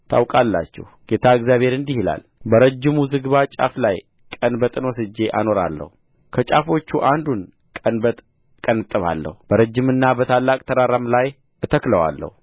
ታውቃላችሁ ጌታ እግዚአብሔር እንዲህ ይላል ከረጅሙ ዝግባ ጫፍ ላይ ቀንበጥን ወስጄ አኖረዋለሁ ከጫፎቹ አንዱን ቀንበጥ እቀነጥበዋለሁ በረጅምና በታላቅ ተራራም ላይ እተክለዋለሁ